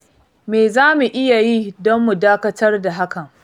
Me za mu iya yi don mu dakatar da hakan?